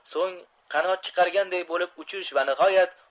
so'ng qanot chiqarganday bo'lib uchish va nihoyat